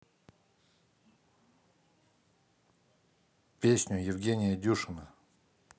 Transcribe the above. песню евгения дюшина